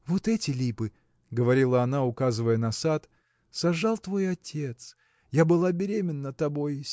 – Вот эти липы, – говорила она, указывая на сад, – сажал твой отец. Я была беременна тобой.